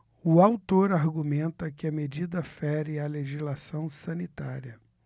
o autor argumenta que a medida fere a legislação sanitária